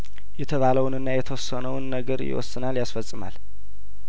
የተባለውንና የተወሰነውን ነገር ይወስናል ያስፈጽማል